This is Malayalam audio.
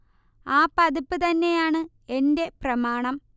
ആ പതിപ്പ് തന്നെയാണ് എന്റെ പ്രമാണം